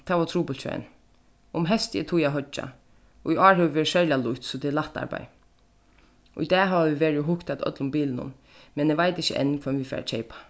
tað var trupult hjá henni um heystið er tíð at hoyggja í ár hevur verið serliga lýtt so tað er lætt arbeiði í dag hava vit verið og hugt at øllum bilunum men eg veit ikki enn hvønn vit fara at keypa